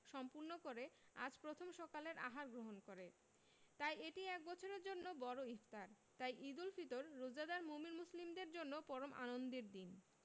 সম্পূর্ণ করে আজ প্রথম সকালের আহার গ্রহণ করে তাই এটি এক বছরের জন্য বড় ইফতার তাই ঈদুল ফিতর রোজাদার মোমিন মুসলিমের জন্য পরম আনন্দের দিন